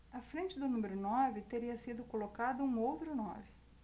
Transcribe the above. à frente do número nove teria sido colocado um outro nove